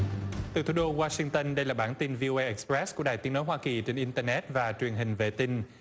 từ thủ đô oa sing tơn đây là bản tin viu ô ây ịch bét của đài tiếng nói hoa kỳ trên in tơ nét và truyền hình vệ tinh